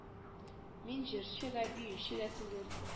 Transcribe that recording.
Мин җырчы да биюче дә түгел